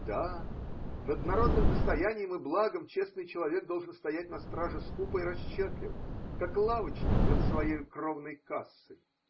Да. Над народным достоянием и благом честный человек должен стоять на страже скупо и расчетливо, как лавочник над своею кровной кассой.